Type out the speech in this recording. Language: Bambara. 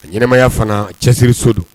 Ɲɛnɛmaya fana cɛsiririso don